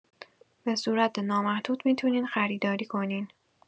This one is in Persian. بصورت نامحدود می‌تونین خریداری کنین